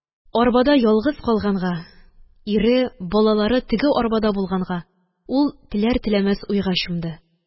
Арбада ялгыз калганга, ире, балалары теге арбада булганга, ул теләр-теләмәс уйга чумды.